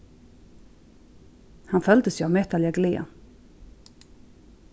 hann føldi seg ómetaliga glaðan